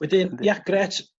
Wedyn ia grêt